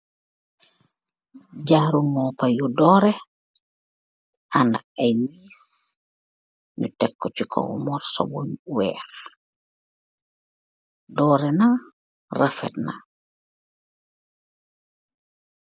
Jaaruu nopaa yuu dorreh anda ak ayee wesess ,nu tekko ce morso buu weeh Dorreh naa rafetna.